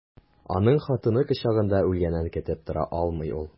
Аның хатыны кочагында үлгәнен көтеп тора алмый ул.